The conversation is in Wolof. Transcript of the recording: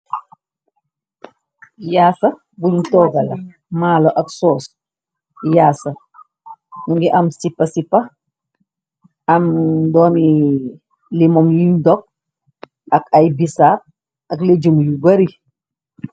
Yaasa buñ tooga la maalo ak sóós yaasa mungi am sipa sipa am doomi limon yuñ dog ak ay bisaab ak léjum yu bari.